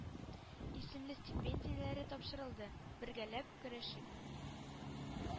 Исемле стипендияләре тапшырылды. бергәләп көрәшик!